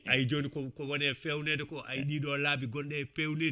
ayyi joni kowone fewnede ko ayi ɗiɗo laabi gonɗe pewnedi